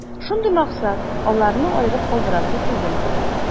Шундый максат: аларны аерып калдырасы түгел.